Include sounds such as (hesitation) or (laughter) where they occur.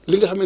(hesitation) (hesitation)